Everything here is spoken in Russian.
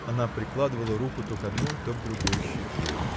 Она прикладывала руку то к одной, то к другой щеке.